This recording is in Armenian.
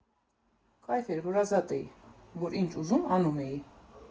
Կայֆ էր, որ ազատ էի, որ ինչ ուզում, անում էի։